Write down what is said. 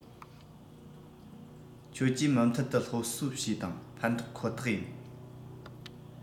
ཁྱོད ཀྱིས མུ མཐུད དུ སློབ གསོ བྱོས དང ཕན ཐོགས ཁོ ཐག ཡིན